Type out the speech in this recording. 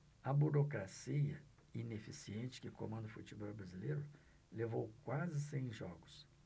a burocracia ineficiente que comanda o futebol brasileiro levou quase cem jogos